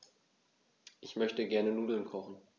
Ich möchte gerne Nudeln kochen.